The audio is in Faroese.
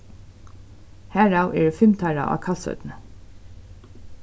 harav eru fimm teirra á kalsoynni